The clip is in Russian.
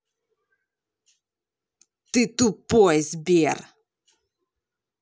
ты тупой сбер